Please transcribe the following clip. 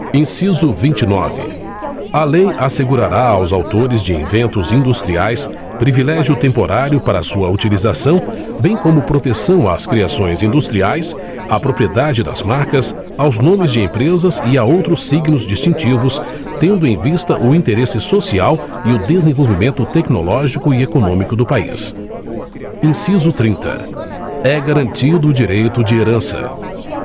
inciso vinte e nove a lei assegurará aos autores de inventos industriais privilégio temporário para sua utilização bem como proteção às criações industriais à propriedade das marcas aos nomes de empresas e a outros signos distintivos tendo em vista o interesse social e o desenvolvimento tecnológico e econômico do país inciso trinta é garantido o direito de herança